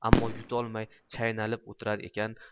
ammo yutolmay chaynalib o'tirar ekan